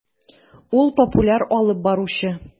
Ул - популяр алып баручы.